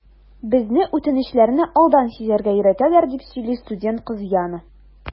Безне үтенечләрне алдан сизәргә өйрәтәләр, - дип сөйли студент кыз Яна.